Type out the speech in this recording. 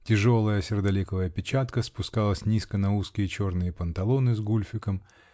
тяжелая сердоликовая печатка спускалась низко на узкие черные панталоны с гульфиком.